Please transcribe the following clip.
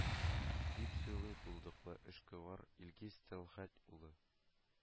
Дип сөйли булдыклы эшкуар илгиз тәлгать улы